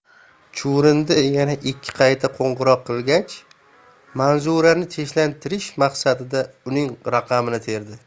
chuvrindi yana ikki qayta qo'ng'iroq qilgach manzurani tinchlantirish maqsadida uning raqamini terdi